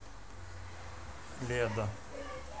леда